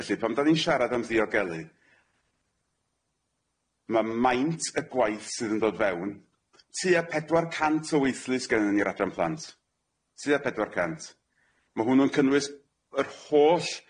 Felly pan 'dan ni'n sharad am ddiogelu ma' maint y gwaith sydd yn dod fewn tua pedwar cant o weithlu sgenna ni i'r adran plant, tua pedwar cant, ma' hwnnw'n cynnwys yr holl